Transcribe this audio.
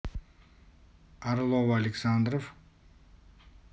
орлова александров